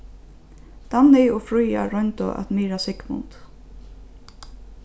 danny og fríða royndu at myrða sigmund